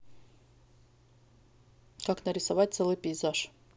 как нарисовать целый пейзаж